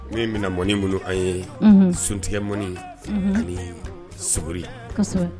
Min bi na mɔnni munu an ye , suntigɛ mɔni ani suguri. kɔsɛbɛ